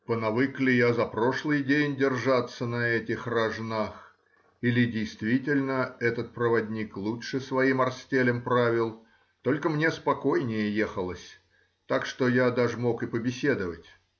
понавык ли я за прошлый день держаться на этих рожнах или действительно этот проводник лучше своим орстелем правил, только мне спокойнее ехалось, так что я даже мог и побеседовать.